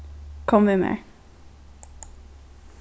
kom við mær